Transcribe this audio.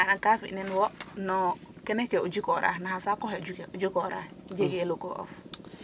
So ne layitoona ka fi' nen wo no kene ke o jikooraa na xa saku xe o jikora jegee logo of.